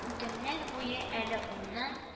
Төннәр буе, әле уңнан